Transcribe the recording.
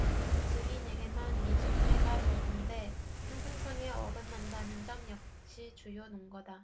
증인에게만 위증죄가 적용돼 형평성에 어긋난다는 점 역시 주요 논거다